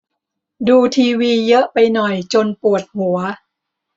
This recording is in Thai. ดูทีวีเยอะไปหน่อยจนปวดหัว